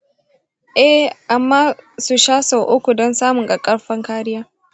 eh, amma su sha sau uku don samun ƙaƙƙarfan kariya.